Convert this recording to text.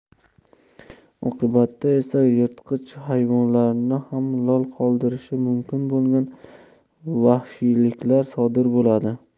oqibatda esa yirtqich hayvonlarni ham lol qoldirishi mumkin bo'lgan vahshiyliklar sodir bo'ladi